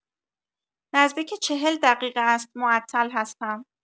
نزدیک ۴۰ دقیقه است معطل هستم